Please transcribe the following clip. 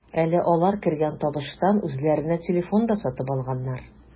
Әле алар кергән табыштан үзләренә телефон да сатып алганнар.